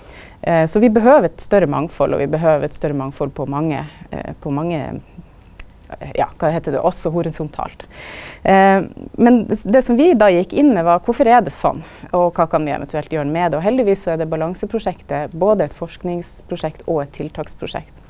så vi behøver eit større mangfald og vi behøver eit større mangfald på mange på mange ja kva heiter det også horisontalt men det som vi då gjekk inn med var, kvifor er det sånn og kva kan vi eventuelt gjera med det, og heldigvis så er det balanseprosjektet både eit forskingsprosjekt og eit tiltaksprosjekt.